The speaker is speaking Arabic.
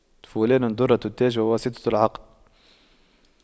فلان دُرَّةُ التاج وواسطة العقد